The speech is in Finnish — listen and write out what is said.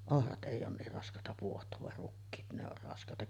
ohrat ei ole niin raskaita pohtaa vaan rukiit ne on raskaita